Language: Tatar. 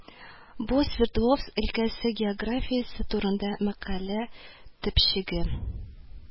Бу Свердловск өлкәсе географиясе турында мәкалә төпчеге